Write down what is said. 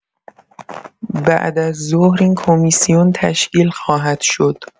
بعد از ظهر این کمیسیون تشکیل خواهد شد.